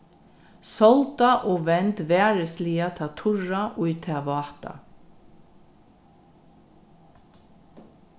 sálda og vend varisliga tað turra í tað váta